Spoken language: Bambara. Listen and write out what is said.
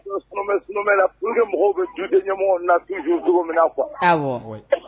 S na u mɔgɔw bɛ ji ɲɛw na min na kuwa